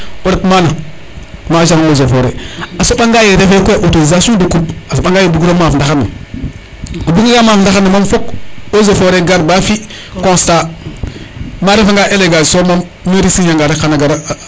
o ret mana ma agent eaux et foret a soɓanga ye refe koy a autorisation de coupe a soɓa nga ye bugiro maaf ndaxar ne o buga nga maaf ndaxar ne moom fok eaux et foret gar ba fi constat nda a refa nga elevage soom moom mairie signer anga rek xana gar